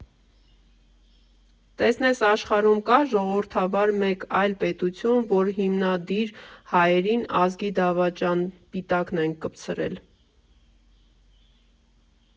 Տեսնես աշխարհում կա՞ ժողովրդավար մեկ այլ պետություն, ուր հիմնադիր հայրերին «ազգի դավաճան» պիտակն են կպցրել։